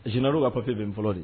Sina kaafe bɛn fɔlɔ de